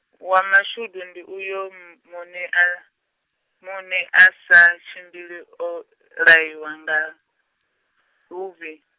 wa mashudu ndi uyo mu- muṋe a, muṋe asa tshimbili o, laiwa nga, luvhi.